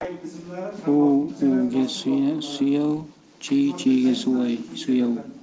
uv uvga suyav chiy chiyga suyav